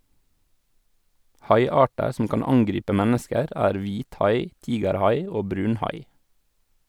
Haiarter som kan angripe mennesker er hvithai, tigerhai og brunhai.